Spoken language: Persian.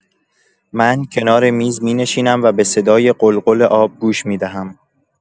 من کنار میز می‌نشینم و به صدای قل‌قل آب گوش می‌دهم.